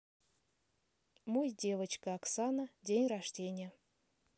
мой девочка оксана день рождения